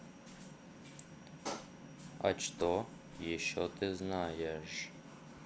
а что еще ты знаешь